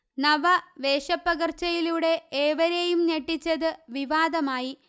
നവ വേഷപ്പകര്ച്ചയിലൂടെ ഏവരെയും ഞെട്ടിച്ചത് വിവാദമായി